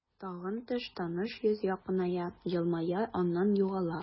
Тагын төш, таныш йөз якыная, елмая, аннан югала.